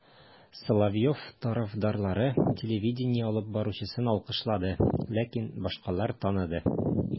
Соловьев тарафдарлары телевидение алып баручысын алкышлады, ләкин башкалар таныды: